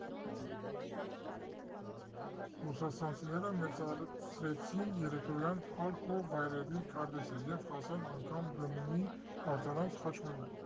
Ռուսաստանցիները մեծացրեցին երեկոյան ալկո֊վայրերի քարտեզը և հասան անգամ Գնունի֊Վարդանանց խաչմերուկ։